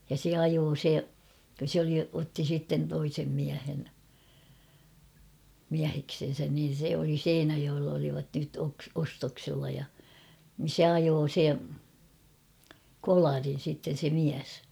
ja se ajoi se se oli otti sitten toisen miehen mieheksensä niin se oli Seinäjoella olivat nyt - ostoksilla ja niin se ajoi se kolarin sitten se mies